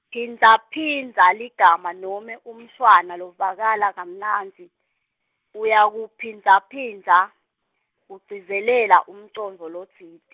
phindzaphindza ligama nome umshwana lovakala kamnandzi, uyakuphindzaphindza, kugcizelela umcondvo lotsite.